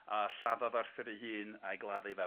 a lladdodd Arthur ei hun a'i gladdu fe.